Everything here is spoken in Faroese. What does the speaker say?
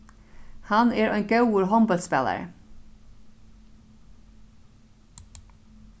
hann er ein góður hondbóltsspælari